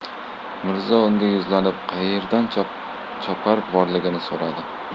mirzo unga yuzlanib qaerdan chopar borligini so'radi